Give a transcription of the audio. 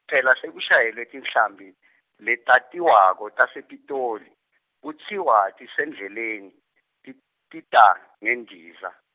phela sekushayelwe tinhlambi, letatiwako tasePitoli, kutsiwa tisendleleni, tit- tita ngendiza.